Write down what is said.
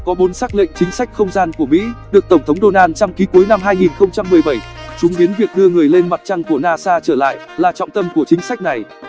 có sắc lệnh chính sách không gian của mỹ được tổng thống donald trump ký cuối năm chúng biến việc đưa người lên mặt trăng của nasa trở lại là trọng tâm của chính sách này